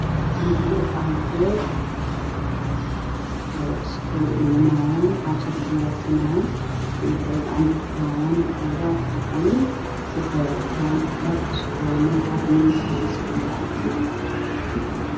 Waa iskuul waxaa cashar ku dhiganaya gabdho wataan xijaabjaalle ah wax ay qorayaan